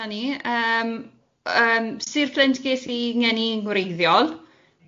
Na ni, yym yym, Sir Fflint ges i ngeni'n wreiddiol.